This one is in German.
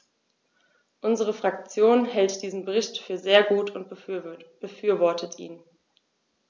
Unsere Fraktion hält diesen Bericht für sehr gut und befürwortet ihn.